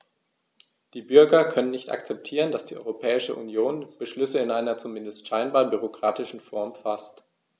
Die Bürger können nicht akzeptieren, dass die Europäische Union Beschlüsse in einer, zumindest scheinbar, bürokratischen Form faßt.